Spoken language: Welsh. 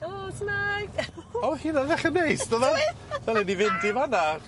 Helo sumai? O we- chi 'na ddechra neis dylan... Ydoedd! ...ddylen ni fynd i fana.